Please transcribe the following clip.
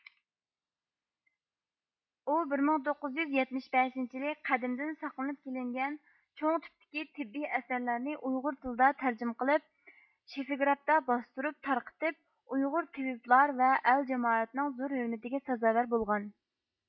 ئۇ بىر مىڭ توققۇز يۈز يەتمىش بەشىنچى يىلى قەدىمدىن ساقلىنىپ كېلىنگەن چوڭ تىپتىكى تىببىي ئەسەرلەرنى ئۇيغۇر تىلىغا تەرجىمە قىلىپ شىفىگرافتا باستۇرۇپ تارقىتىپ ئۇيغۇر تېۋىپلار ۋە ئەل جامائەتنىڭ زور ھۆرمىتىگە سازاۋەر بولغان